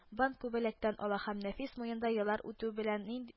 Бант-күбәләктән ала һәм нәфис муенда еллар үтү белән ин